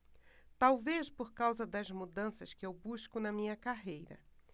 talvez por causa das mudanças que eu busco na minha carreira